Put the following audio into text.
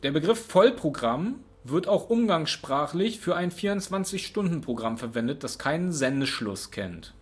Begriff Vollprogramm wird auch umgangssprachlich für ein 24-Stunden-Programm verwendet, das keinen Sendeschluss kennt